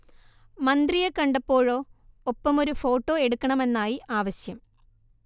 മന്ത്രിയെ കണ്ടപ്പോഴോ ഒപ്പമൊരു ഫോട്ടോ എടുക്കണമെന്നായി ആവശ്യം